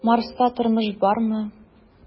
"марста тормыш бармы?"